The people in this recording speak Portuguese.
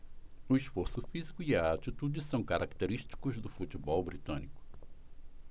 o esforço físico e a atitude são característicos do futebol britânico